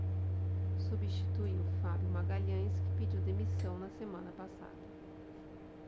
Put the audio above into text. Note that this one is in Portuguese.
substitui fábio magalhães que pediu demissão na semana passada